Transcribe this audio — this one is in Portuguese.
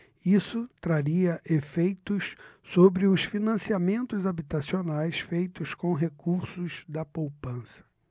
isso traria efeitos sobre os financiamentos habitacionais feitos com recursos da poupança